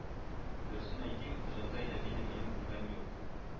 Дөресен әйтим, Җантай әбине минем күргәнем юк